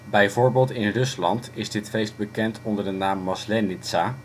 Bijvoorbeeld in Rusland is dit feest bekend onder de naam maslenitsa